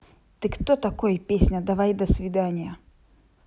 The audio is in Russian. ты кто такой песня давай до свидания